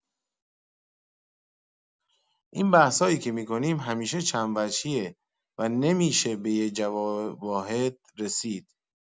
این بحثایی که می‌کنیم همیشه چندوجهیه و نمی‌شه به یه جواب واحد رسید.